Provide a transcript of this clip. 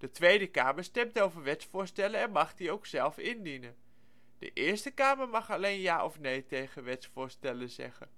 Tweede Kamer stemt over wetsvoorstellen en mag die ook zelf indienen. De Eerste Kamer mag alleen ' ja ' of ' nee ' tegen wetsvoorstellen zeggen